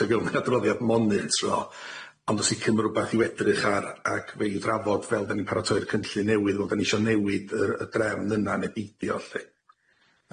sy'n gwyl' yn adroddiad monitro ond o's sicir ma' rwbath i'w edrych ar ag fe' i'w drafod fel dyn ni'n paratoi'r cynllun newydd fel dyn ni isio newid yr y drefn yna ne' beidio lly.